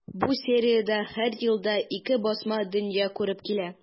Бу сериядә һәр елда ике басма дөнья күреп килә.